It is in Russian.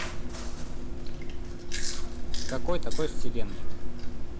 какой такой вселенной